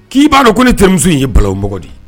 K'i b'a dɔn ko ne tɛmuso in yei bila omɔgɔ di ye